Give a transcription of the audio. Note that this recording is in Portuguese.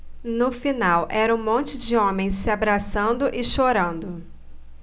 no final era um monte de homens se abraçando e chorando